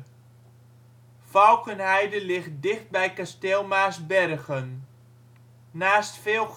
Valkenheide ligt dicht bij kasteel Maarsbergen. Naast veel